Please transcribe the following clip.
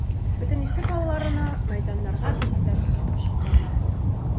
Бөтен ишек алларына, мәйданнарга чәчәкләр утыртып чыкканнар.